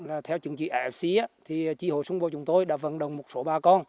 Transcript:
là theo chứng chỉ ép e xi á thì chi hội sung của chúng tôi đã vận động một số bà con